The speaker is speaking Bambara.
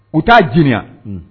U t'a di